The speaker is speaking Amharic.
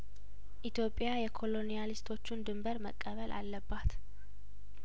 ኢትዮጵያ የኮሎኒያሊስቶቹን ድንበር መቀበል አለባት